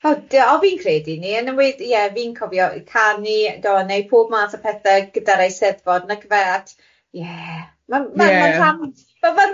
O dio- o fi'n credu i ni yn y we- ie fi'n cofio canu, do a wneud pob math o pethe gyda'r Eisteddfod nagyfe at ie ma'n ma'n ie,